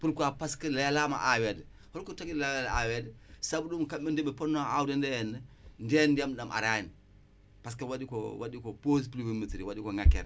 pourquoi parce que